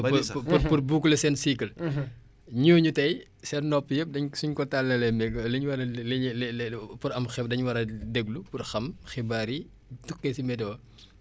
ñooñu tey seen nopp yëpp dañ suñ ko tàllalee léegi li ñu war a li ñuy pour am xibaar dañ war a déglu pour xam xibaar yi tukkee si météo xam ndax ndox dina am